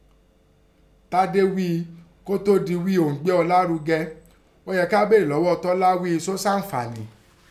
Tádé ghí i kó tó di ghíi inọ́n gbé òun lárugẹ, ọ́ yẹ ká béèrè lọ́ọ́ Tọ́lá ghíi sé ọ́ sàǹfààní?